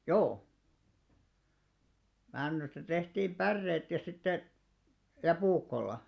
joo männystä tehtiin päreet ja sitten ja puukolla